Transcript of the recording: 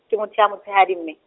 ke motho ya motshehadi mme.